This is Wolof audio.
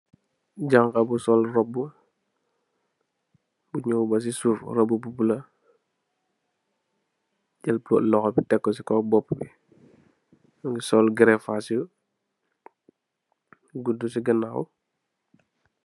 Jagax bu sool robe, naw basi suff robe bu bulue jal loho bi tekko ci kaw bopom bi mingi sool gerefass yu goddu ci ganaw.